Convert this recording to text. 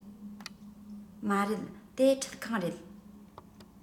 མ རེད དེ ཁྲུད ཁང རེད